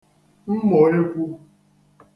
mmòekwu